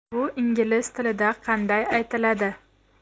bu ingliz tilida qanday aytiladi